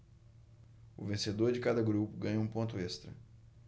o vencedor de cada grupo ganha um ponto extra